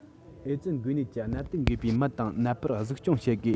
ཨེ ཙི འགོས ནད ཀྱི ནད དུག འགོས པའི མི དང ནད པར གཟིགས སྐྱོང བྱེད དགོས